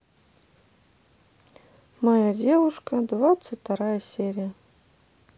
моя девушка двадцать вторая серия